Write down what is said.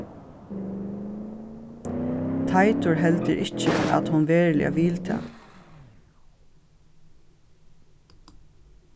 teitur heldur ikki at hon veruliga vil tað